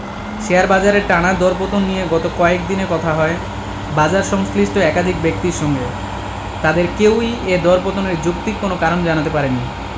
share বাজারের টানা দরপতন নিয়ে গত কয়েক দিনে কথা হয় বাজারসংশ্লিষ্ট একাধিক ব্যক্তির সঙ্গে তাঁদের কেউই এ দরপতনের যৌক্তিক কোনো কারণ জানাতে পারেনি